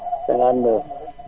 59